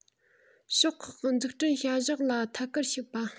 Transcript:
ཕྱོགས ཁག གི འཛུགས སྐྲུན བྱ གཞག ལ ཐད ཀར ཞུགས པ